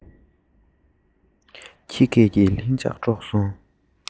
ཁྱི སྐད ཀྱིས ལྷིང འཇགས དཀྲོགས སོང